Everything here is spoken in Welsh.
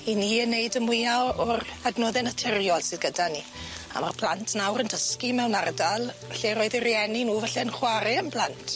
'Yn ni yn neud y mwya o o'r adnodde naturiol sydd gyda ni. A ma'r plant nawr yn dysgu mewn ardal lle roedd eu rieni nw falle'n chware yn plant.